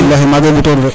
bialhi maga i mbutoru